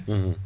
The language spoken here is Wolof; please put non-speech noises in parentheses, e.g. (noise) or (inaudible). (hesitation) (hesitation)